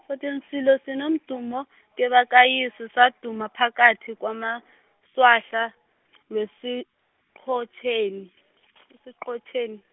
uthin- silo sinomdumo, kebakayise saduma phakathi kwamaswahla, weSiqhotjeni weSiqhotjeni.